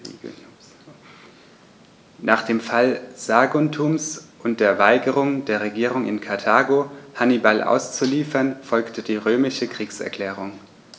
Nach dem Fall Saguntums und der Weigerung der Regierung in Karthago, Hannibal auszuliefern, folgte die römische Kriegserklärung.